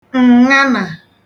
ǹṅanà